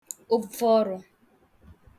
ụgvọọrụ̄